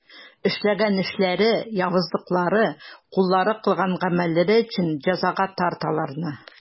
Эшләгән эшләре, явызлыклары, куллары кылган гамәлләре өчен җәзага тарт аларны.